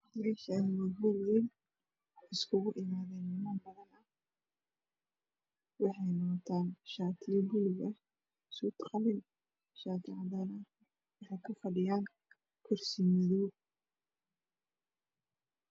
Meshaan waa hool ween iskugu imadeen niman badan waxey wataan shatiyal bluug ah suud qalin shati cadaana h waxey ku fadhiyaan kursi madow